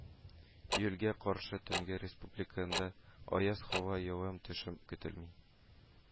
Июльгә каршы төндә республикада аяз һава, явым-төшем көтелми